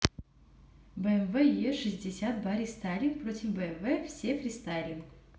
bmw e шестьдесят барри стайлинг против bmw все фристайлинг